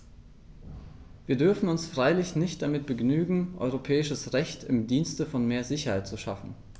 Wir dürfen uns freilich nicht damit begnügen, europäisches Recht im Dienste von mehr Sicherheit zu schaffen.